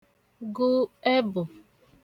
gụ ẹbù